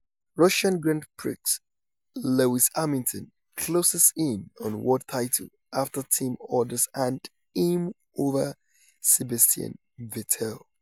Russian Grand Prix: Lewis Hamilton closes in on world title after team orders hand him win over Sebastian Vettel